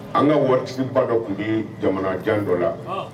An ka waatisiba dɔ tun bɛ jamana jan dɔ la